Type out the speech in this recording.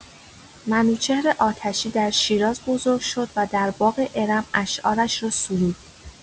منوچهر آتشی در شیراز بزرگ شد و در باغ ارم اشعارش را سرود.